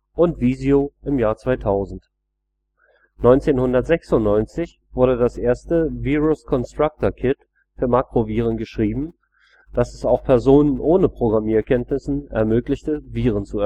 und Visio (2000). 1996 wurde das erste Virus Constructor Kit für Makroviren geschrieben, das es auch Personen ohne Programmierkenntnissen ermöglichte, Viren zu